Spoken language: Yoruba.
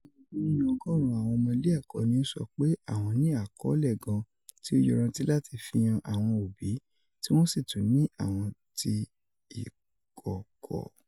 Ida ogun nínú ọgorun awọn ọmọ ile ẹkọ ni o sọ pe awọn ni akọọlẹ ‘’gan’’ ti o yanranti lati fihan awọn obi, ti wọn si tun ni awọn ti ikọkọ.